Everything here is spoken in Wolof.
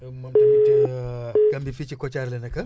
moom tamit Gambie fii ci Kotiari la nekk